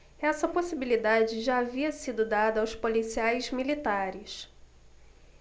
essa possibilidade já havia sido dada aos policiais militares